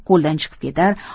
qo'ldan chiqib ketar